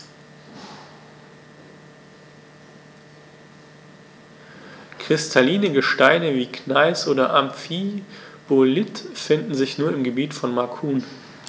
Kristalline Gesteine wie Gneis oder Amphibolit finden sich nur im Gebiet von Macun.